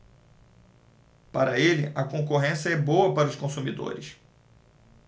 para ele a concorrência é boa para os consumidores